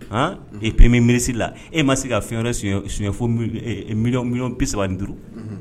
I pemiirisi la e ma se ka fiɛrɛ sunjata sunjata saba duuru